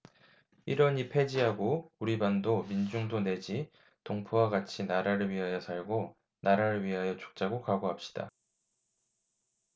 일언이폐지하고 우리 반도 민중도 내지 동포와 같이 나라를 위하여 살고 나라를 위하여 죽자고 각오합시다